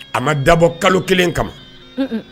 A ma dabɔ kalo kelen kama